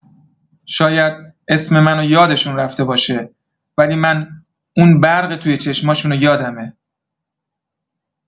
شاید اسم من یادشون رفته باشه، ولی من اون برق تو چشماشونو یادمه.